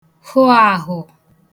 hụ àhụ̀